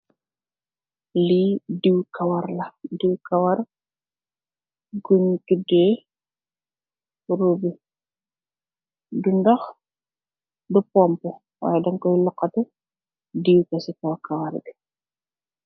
Li diw kawarr la, diw kawarr guñ dudèè Rubi, du ndox du pompu wàyi dajj Koy loxati diw ko ci kaw kawarr gi.